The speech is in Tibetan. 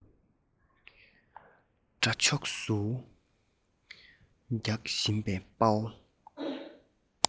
དགྲ ཕྱོགས སུ རྒྱུག བཞིན པའི དཔའ བོ